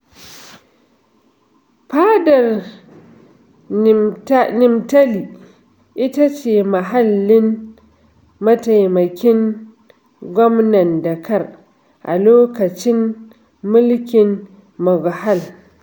Fadar Nimtali, ita ce muhallin mataimakin gwamnan Dhaka a lokacin mulkin Mughal.